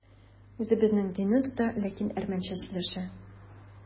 Үзе безнең динне тота, ләкин әрмәнчә сөйләшә.